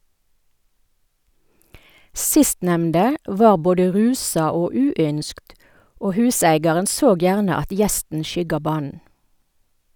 Sistnemnde var både rusa og uynskt, og huseigaren såg gjerne at gjesten skygga banen.